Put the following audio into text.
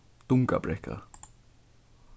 dungabrekka